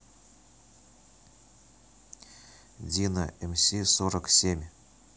дино мс сорок семь